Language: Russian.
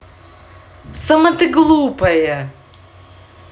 сама ты глупая